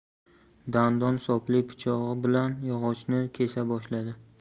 dandon sopli pichog'i bilan yog'ochni kesa boshladi